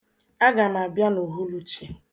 A ga m abịa na uhuluchi